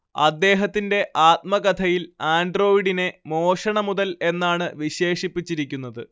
അദ്ദേഹത്തിന്റെ ആത്മകഥയിൽ ആൻഡ്രോയിഡിനെ മോഷണ മുതൽ എന്നാണ് വിശേഷിപ്പിച്ചിരിക്കുന്നത്